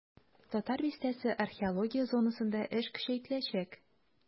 "татар бистәсе" археология зонасында эш көчәйтеләчәк.